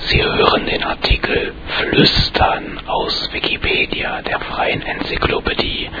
hören den Artikel Flüstern, aus Wikipedia, der freien Enzyklopädie